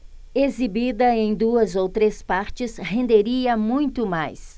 exibida em duas ou três partes renderia muito mais